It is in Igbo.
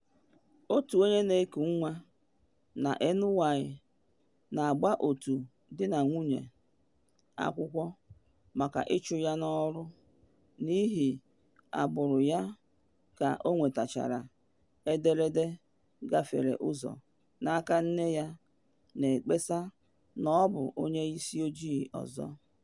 Otu onye na eku nwa na NY na agba otu di na nwunye akwụkwọ maka ịchụ ya n’ọrụ n’ihi agbụrụ ya ka ọ nwetachara ederede jefiere ụzọ n’aka nne ya na ekpesa na ọ bụ “onye isi ojii ọzọ.”